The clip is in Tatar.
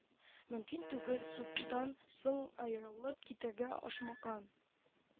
Мөмкин түгел, судтан соң аерылып китәргә ашмакан